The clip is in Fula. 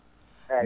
eeyi